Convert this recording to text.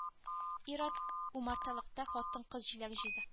Ир-ат умарталыкта хатын-кыз җиләк җыйды